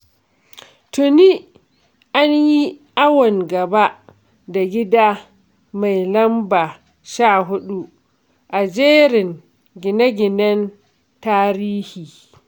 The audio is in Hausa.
Tuni an yi awon gaba da gida mai lamba 14 a jerin gine-ginen tarihi.